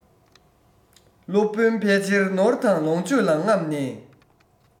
སློབ དཔོན ཕལ ཆེར ནོར དང ལོངས སྤྱོད ལ རྔམ ནས